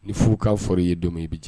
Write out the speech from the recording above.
Ni futa' fɔra i ye don ye i bɛ jɛ